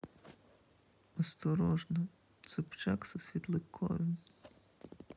осторожно собчак со светлаковым